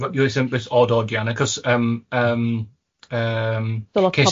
Roedd o'n beth od od iawn acos ymm ymm ymm ces i... Lot o bobl.